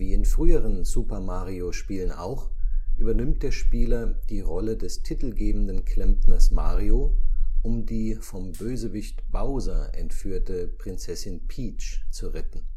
in früheren Super-Mario-Spielen auch, übernimmt der Spieler die Rolle des titelgebenden Klempners Mario, um die vom Bösewicht Bowser entführte Prinzessin Peach zu retten